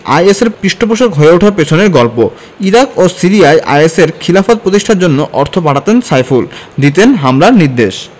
আইএসের পৃষ্ঠপোষক হয়ে ওঠার পেছনের গল্প ইরাক ও সিরিয়ায় আইএসের খিলাফত প্রতিষ্ঠার জন্য অর্থ পাঠাতেন সাইফুল দিতেন হামলার নির্দেশ